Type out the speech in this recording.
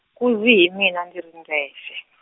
nkuzi hi mina ndzi ri ndzexe .